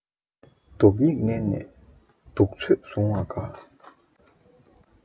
སྡུག སྙིང མནན ནས སྡུག ཚོད བཟུང བ དགའ